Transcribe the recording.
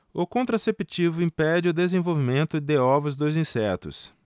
o contraceptivo impede o desenvolvimento de ovos dos insetos